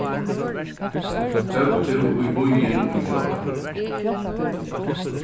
fór tú í býin í gjár